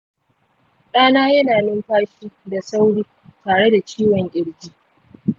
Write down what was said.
ɗana yana numfashi da sauri tare da ciwon kirji.